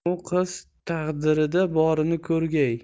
u qiz taqdirida borini ko'rgay